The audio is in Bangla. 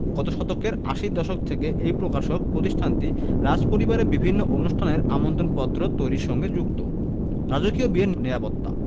গত শতকের আশির দশক থেকে এই প্রকাশক প্রতিষ্ঠানটি রাজপরিবারের বিভিন্ন অনুষ্ঠানের আমন্ত্রণপত্র তৈরির সঙ্গে যুক্ত রাজকীয় বিয়ের নিরাপত্তা